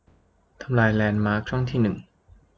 ทำลายแลนด์มาร์คช่องที่หนึ่ง